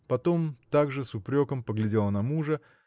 потом также с упреком поглядела на мужа